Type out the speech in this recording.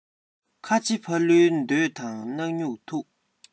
ཁ ཆེ ཕ ལུའི འདོད དང སྣག སྨྱུག ཐུག